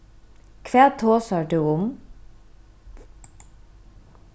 hvat tosar tú um